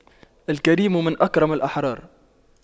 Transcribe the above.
الكريم من أكرم الأحرار